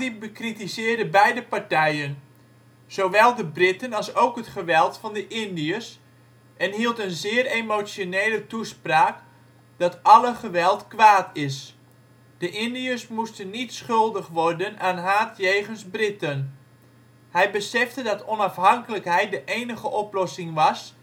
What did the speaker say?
bekritiseerde beide partijen, zowel de Britten als ook het geweld van de Indiërs, en hield een zeer emotionele toespraak dat alle geweld kwaad is. De Indiërs moesten niet schuldig worden aan haat jegens Britten. Hij besefte dat onafhankelijkheid de enige oplossing was